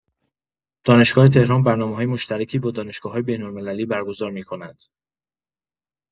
دانشگاه تهران برنامه‌‌های مشترکی با دانشگاه‌‌های بین‌المللی برگزار می‌کند.